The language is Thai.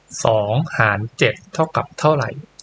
สองหารเจ็ดเท่ากับเท่าไร